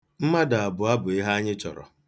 Mmadụ abụọ bụ ihe anyị chọrọ.